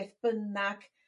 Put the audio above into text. beth bynnag